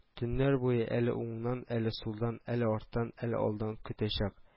Төннәр буе, әле уңнан, әле сулдан, әле арттан, әле алдан көтәчәк